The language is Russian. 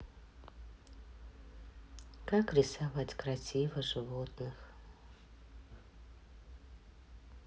как рисовать красиво животных